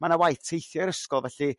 ma' 'na waith teithio i'r ysgol felly